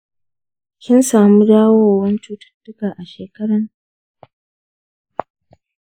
kin samu dawowan cututtuka a shekaran da ya wuce?